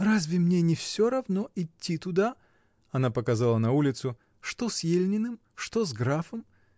— Разве мне не всё равно идти туда (она показала на улицу), что с Ельниным, что с графом?